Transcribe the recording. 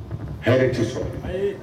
Hɛrɛ ti sɔrɔ. Ayi